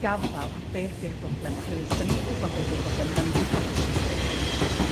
gafal ar be' ydi'r broblem oherwydd od 'dan ni 'im yn gwbod be' 'di'r broblem newn ni byth ddatrys hi.